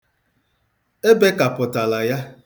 Ebekapụtala ya.